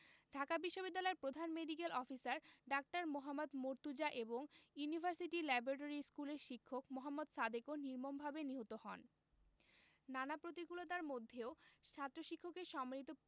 ঢাকা বিশ্ববিদ্যালয়ের প্রধান medical officer ডা. মোহাম্মদ মর্তুজা এবং ইউনিভার্সিটি ল্যাবরেটরি স্কুলের শিক্ষক মোহাম্মদ সাদেকও নির্মমভাবে নিহত হন নানা প্রতিকূলতার মধ্যেও ছাত্র শিক্ষকদের সম্মিলিত